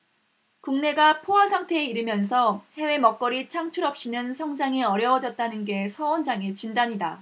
국내가 포화상태에 이르면서 해외 먹거리 창출 없이는 성장이 어려워졌다는 게 서 원장의 진단이다